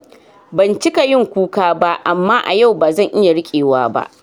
Ban cika yin kuka ba amma a yau ba zan iya rikewa ba.